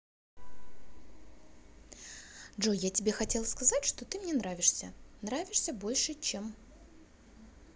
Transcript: джой я тебе хотела сказать что ты мне нравишься нравишься больше чем